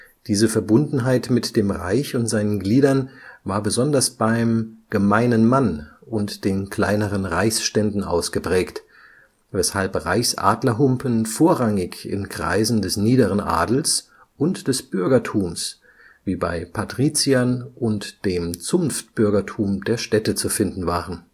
Diese Verbundenheit mit dem Reich und seinen Gliedern war besonders beim „ Gemeinen Mann “und den kleineren Reichsständen ausgeprägt, weshalb Reichsadlerhumpen vorrangig in Kreisen des niederen Adels und des Bürgertums, wie bei Patriziern und dem Zunftbürgertum der Städte, zu finden waren